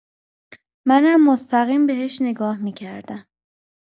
منم مستقیم بهش نگاه می‌کردم.